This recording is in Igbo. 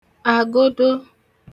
àgodo